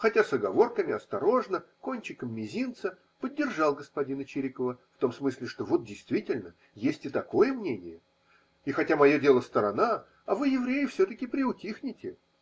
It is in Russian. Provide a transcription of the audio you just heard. хотя с оговорками, осторожно, копчиком мизинца, поддержал господина Чирикова в том смысле, что вот, действительно, есть и такое мнение, и хотя мое дело сторона, а вы, евреи, все-таки приутихните.